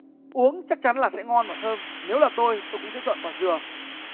uống chắc chắn là sẽ ngon và thơm nếu là tôi tôi cũng sẽ chọn quả dừa